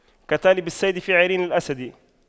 كطالب الصيد في عرين الأسد